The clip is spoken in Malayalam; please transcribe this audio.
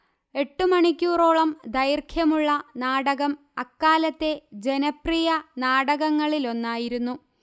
എട്ടുമണിക്കൂറോളം ദൈർഘ്യമുള്ള നാടകം അക്കാലത്തെ ജനപ്രിയ നാടകങ്ങളിലൊന്നായിരുന്നു